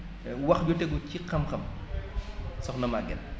wax ju tegu ci xam-xam soxna Maguette